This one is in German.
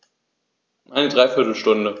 Eine dreiviertel Stunde